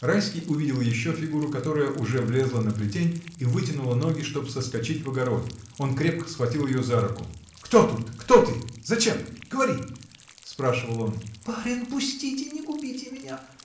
Райский увидел еще фигуру, которая уже влезла на плетень и вытянула ноги, чтоб соскочить в огород. Он крепко схватил ее за руку. — Кто тут? Кто ты? Зачем? Говори! — спрашивал он. — Барин! пустите, не губите меня!